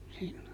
silloin